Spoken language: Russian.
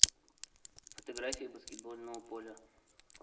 фотографии баскетбольного поля